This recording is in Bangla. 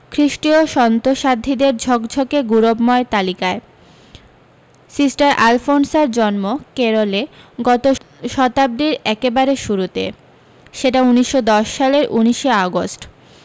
খ্রীষ্টিয় সন্ত সাধ্বীদের ঝকঝকে গুরবময় তালিকায় সিস্টার আলফোনসার জন্ম কেরলে গত শতাব্দীর একেবারে শুরুতে সেটা উনিশশ দশ সালের উনিশ এ আগস্ট